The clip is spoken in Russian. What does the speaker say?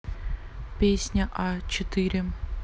песня а четыре